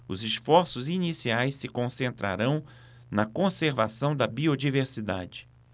os esforços iniciais se concentrarão na conservação da biodiversidade